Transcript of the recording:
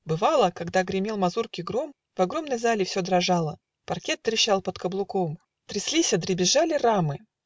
Бывало, Когда гремел мазурки гром, В огромной зале все дрожало, Паркет трещал под каблуком, Тряслися, дребезжали рамы